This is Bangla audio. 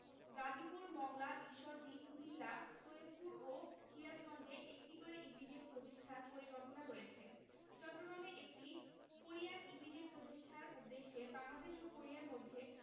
গাজীপুর মংলা ঈশ্বরদী কুমিল্লা সৈয়দপুর ও সিরাজগঞ্জে একটি করে ইপিজেড প্রতিষ্ঠার পরিকল্পনা রয়েছে চট্টগ্রামে একটি কোরিয়ান ইপিজেড প্রতিষ্ঠার উদ্দেশ্যে বাংলাদেশ ও কোরিয়ার মধ্যে